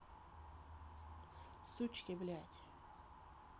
сучки блять